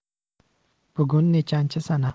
bugun nechanchi sana